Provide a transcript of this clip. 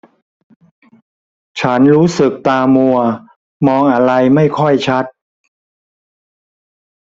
ฉันรู้สึกตามัวมองอะไรไม่ค่อยชัด